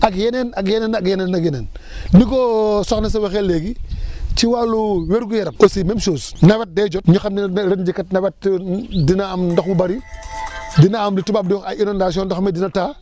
ak yeneen ak yeneen ak yeneen ak yeneen ni ko soxna si waxee léegi ci wàllu wér-gu-yaram aussi même chose nawet day jot ñu xam ne ren jii kat nawet dina am ndox mu bëri dina am lu tubaab di wax ay innondations ndox mi dina taa